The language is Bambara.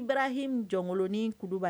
N barahi jɔnkolonin kuluba